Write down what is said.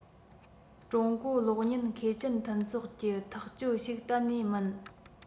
ཀྲུང གོ གློག བརྙན མཁས ཅན མཐུན ཚོགས གྱི ཐག གཅོད ཞིག གཏན ནས མིན